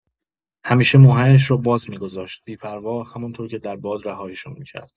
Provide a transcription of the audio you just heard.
همیشه موهایش را باز می‌گذاشت، بی‌پروا، همان‌طور که در باد رهایشان می‌کرد.